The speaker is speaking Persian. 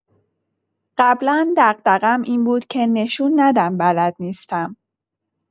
قبلا دغدغم این بود که نشون ندم بلد نیستم.